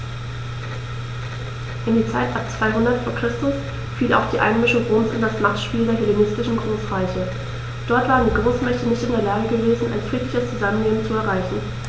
In die Zeit ab 200 v. Chr. fiel auch die Einmischung Roms in das Machtspiel der hellenistischen Großreiche: Dort waren die Großmächte nicht in der Lage gewesen, ein friedliches Zusammenleben zu erreichen.